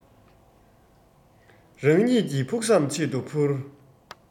རང ཉིད ཀྱི ཕུགས བསམ ཆེད དུ འཕུར